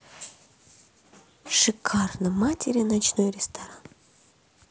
шикарно матери ночной ресторан